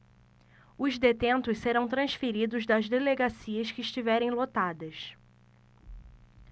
os detentos serão transferidos das delegacias que estiverem lotadas